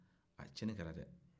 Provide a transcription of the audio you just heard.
aa tiɲɛni kɛra dɛ